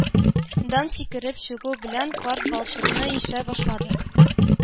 Дан сикереп чыгу белән, карт балчыкны ишә башлады